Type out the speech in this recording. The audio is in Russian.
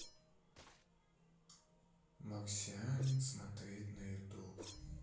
марсианин смотреть на ютуб